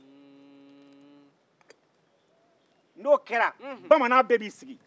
n'o kɛra bamanan bɛɛ b'i sigi